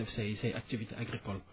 def say say activités agricoles